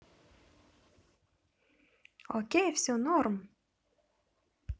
окей все норм